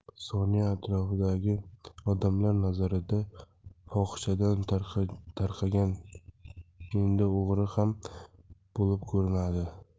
sonya atrofidagi odamlar nazarida fohishadan tashqari endi o'g'ri ham bo'lib ko'rinadi